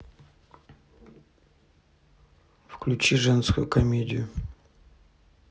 включи женскую комедию